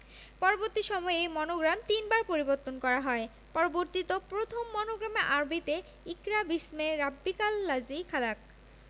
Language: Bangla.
পরবর্তী সময়ে এ মনোগ্রাম তিনবার পরিবর্তন করা হয় পরিবর্তিত প্রথম মনোগ্রামে আরবিতে ইকরা বিস্মে রাবিবকাল লাজি খালাক্ক